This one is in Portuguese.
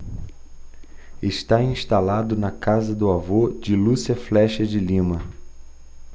está instalado na casa do avô de lúcia flexa de lima